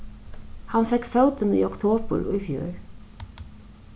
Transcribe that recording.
hann fekk fótin í oktobur í fjør